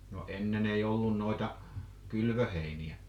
no ennen ei ollut noita kylvöheiniä